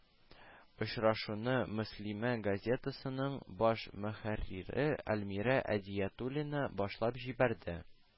Очрашуны “Мөслимә” газетасының баш мөхәррире Әлмирә Әдиятуллина башлап җибәрде